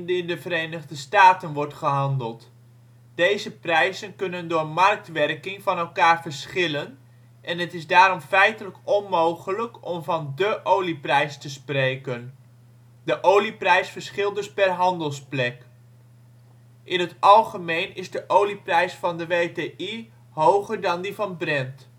in de Verenigde Staten wordt gehandeld. Deze prijzen kunnen door marktwerking van elkaar verschillen en het is daarom feitelijk onmogelijk om van dé olieprijs te spreken. De olieprijs verschilt dus per handelsplek. In het algemeen is de olieprijs van de WTI hoger dan die van Brent